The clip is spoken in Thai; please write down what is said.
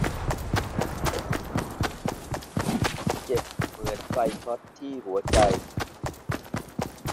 เจ็บเหมือนไฟช็อตที่หัวใจ